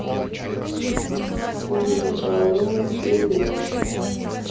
фильм король и лев